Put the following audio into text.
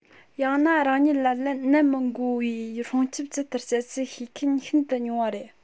ཡང ན རང ཉིད ལ ནད མི འགོ བའི སྲུང སྐྱོབ ཇི ལྟར བྱེད ཚུལ ཤེས མཁན ཤིན ཏུ ཉུང བ རེད